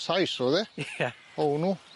Saes o'dd e. Ie. O'n nw.